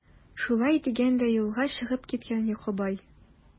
Шулай дигән дә юлга чыгып киткән Йокыбай.